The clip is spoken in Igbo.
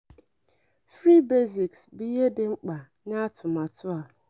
Free Basics bụ ihe dị mkpa nye atụmatụ a.